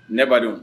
Ne ba